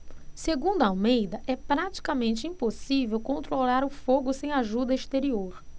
segundo almeida é praticamente impossível controlar o fogo sem ajuda exterior